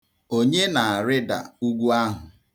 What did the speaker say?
Onye na-arịda ugwu ahụ?